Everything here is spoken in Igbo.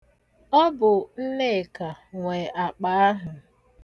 Ọ bụ Nneka nwe akpa ahụ.